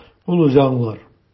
Ул үзе аңлар.